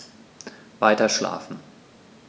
Weiterschlafen.